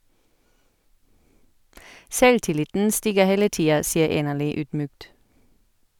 Selvtilliten stiger hele tida, sier Enerly ydmykt.